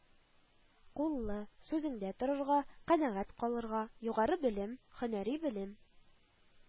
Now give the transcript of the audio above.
Куллы, сүзеңдə торырга, канəгать калырга, югары белем, һөнəри белем,